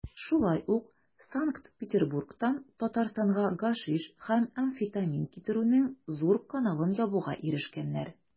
Шулай ук Санкт-Петербургтан Татарстанга гашиш һәм амфетамин китерүнең зур каналын ябуга ирешкәннәр.